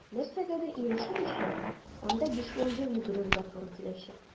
Нәрсәгәдер ирешер өчен анда 5-10 ел йөгерергә туры киләчәк.